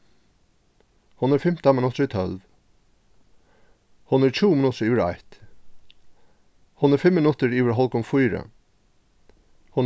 hon er fimtan minuttir í tólv hon er tjúgu minuttir yvir eitt hon er fimm minuttir yvir hálvgum fýra